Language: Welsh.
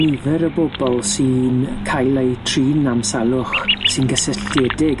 nifer y bobol sy'n cael eu trin am salwch sy'n gysylltiedig